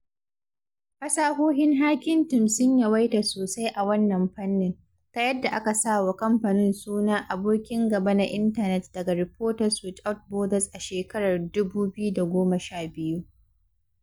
Fasahohin Hacking Team sun yawaita sosai a wannan fannin, ta yadda aka sawa kamfanin suna “Abokin Gaba na Intanet” daga Reporters Without Borders a shekarar 2012.